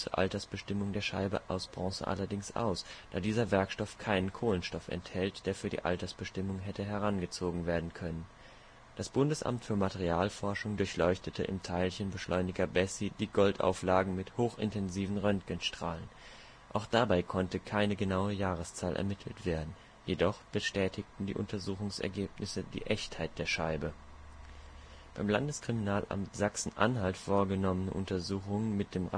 Altersbestimmung der Scheibe aus Bronze allerdings aus, da dieser Werkstoff keinen Kohlenstoff enthält, der für die Altersbestimmung hätte herangezogen werden können. Das Bundesamt für Materialforschung durchleuchtete im Teilchenbeschleuniger Bessy die Goldauflagen mit hochintensiven Röntgenstrahlen. Auch dabei konnte keine genaue Jahreszahl ermittelt werden, jedoch bestätigten die Untersuchungsergebnisse die Echtheit der Scheibe. Beim Landeskriminalamt Sachsen-Anhalt vorgenommene Untersuchungen mit dem